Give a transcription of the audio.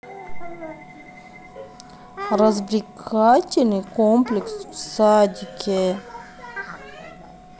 развлекательный комплекс в садке